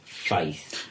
Ffaith.